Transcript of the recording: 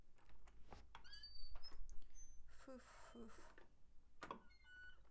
фыв фыв